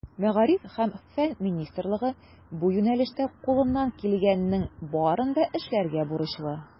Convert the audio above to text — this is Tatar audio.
Мәгариф һәм фән министрлыгы бу юнәлештә кулыннан килгәннең барын да эшләргә бурычлы.